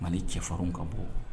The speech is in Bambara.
Mali cɛ farinw ka bɔ.